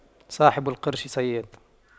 صاحب القرش صياد